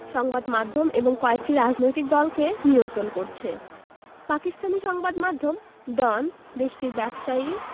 সংবাদ মাধ্যম এবং কয়েকটি রাজনৈতিক দলকে নিয়ন্ত্রণ করছে পাকিস্তানি সংবাদ মাধ্যম ডন দেশটির ব্যবসায়ী